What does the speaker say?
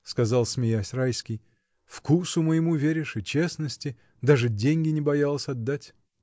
— сказал, смеясь, Райский, — вкусу моему веришь и честности, даже деньги не боялась отдать.